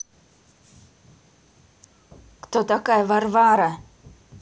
кто такая варвара